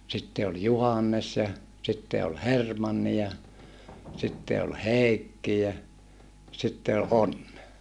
sitten oli Juhannes ja sitten oli Hermanni ja sitten oli Heikki ja sitten on Onne